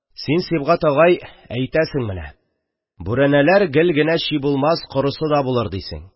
Син, Сибгать агай, әйтәсең менә: бүрәнәләр гел генә чи булмас, корысы да булыр, дисең.